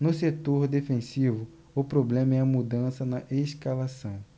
no setor defensivo o problema é a mudança na escalação